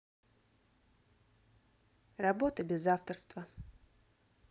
работа без авторства